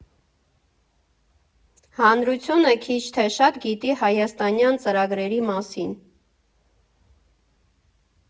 Հանրությունը քիչ թե շատ գիտի հայաստանյան ծրագրերի մասին։